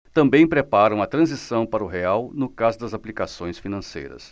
também preparam a transição para o real no caso das aplicações financeiras